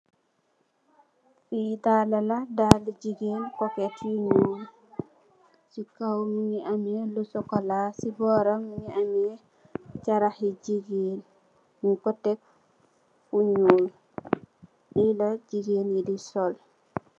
Lii dalle la, dalle jigeen, koket yu nyuul, si kaw mingi ame lu sokola, si booram mingi amme caax yu jigeen, nyun ko tegg fu nyuul, yi la jigeen yi di sol.